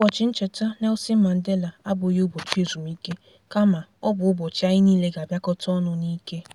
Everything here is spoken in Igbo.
Ụbọchị ncheta Nelson Mandela abụghị ụbọchị ezumike, ka ma ọ bụ ụbọchị anyị niile ga-abịakọta ọnụ n'ike.